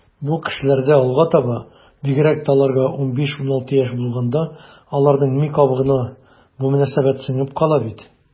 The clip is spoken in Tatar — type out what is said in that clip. Бу кешеләрдә алга таба, бигрәк тә аларга 15-16 яшь булганда, аларның ми кабыгына бу мөнәсәбәт сеңеп кала бит.